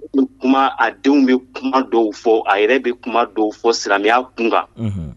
Ni kuma a denw bɛ kuma dɔw fɔ a yɛrɛ bɛ kuma dɔw fɔ silamɛya kunkan